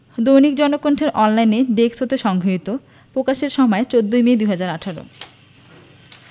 দৈনিক জনকণ্ঠের online desk হতে সংগৃহীত প্রকাশের সময় ১৪ মে ২০১৮